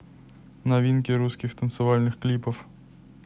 новинки русских танцевальных клипов